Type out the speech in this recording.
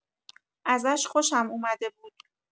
ازش خوشم اومده بود.